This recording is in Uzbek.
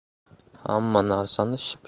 hamma narsani ship